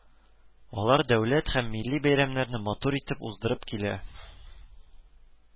Алар дәүләт һәм милли бәйрәмнәрен матур итеп уздырып килә